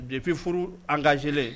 Depuis furu engagé len